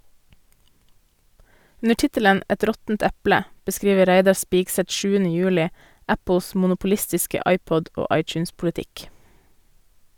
Under tittelen "Et råttent eple" beskriver Reidar Spigseth 7. juli Apples monopolistiske iPod- og iTunes-politikk.